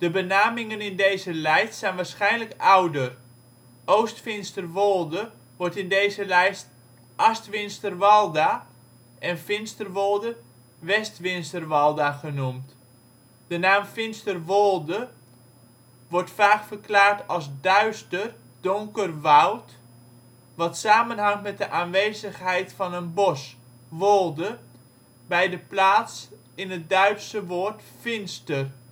benamingen in deze lijst zijn waarschijnlijk ouder. Oost-Finsterwolde wordt in deze lijst ' Astwinserwalda ' en Finsterwolde ' Westwinserwalda ' genoemd. De naam Finsterwolde wordt vaak verklaard als ' duister, donker woud ', wat samenhangt met de aanwezigheid van een bos (wolde) bij de plaats en het Duitse woord " finster